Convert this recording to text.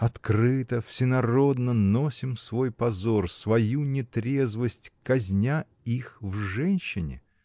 открыто, всенародно носим свой позор, свою нетрезвость, казня их в женщине!